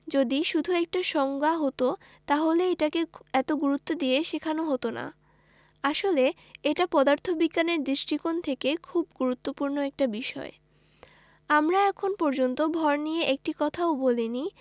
যদি শুধু একটা সংজ্ঞা হতো তাহলে এটাকে এত গুরুত্ব দিয়ে শেখানো হতো না আসলে এটা পদার্থবিজ্ঞানের দৃষ্টিকোণ থেকে খুব গুরুত্বপূর্ণ একটা বিষয় আমরা এখন পর্যন্ত ভর নিয়ে একটি কথাও বলিনি